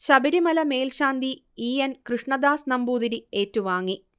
ശബരിമല മേൽശാന്തി E. N. Krishnadas Namboothiri ഏറ്റുവാങ്ങി